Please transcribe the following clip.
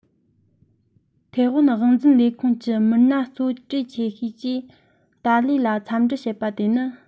ཐའེ ཝན དབང འཛིན ལས ཁུངས ཀྱི མི སྣ གཙོ ཆེ གྲས ཀྱིས ཏཱ ལའི ལ འཚམས འདྲི བྱེད པ དེ ནི